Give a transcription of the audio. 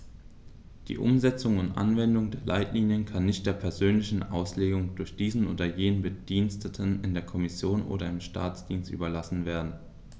Die Umsetzung und Anwendung der Leitlinien kann nicht der persönlichen Auslegung durch diesen oder jenen Bediensteten in der Kommission oder im Staatsdienst überlassen werden.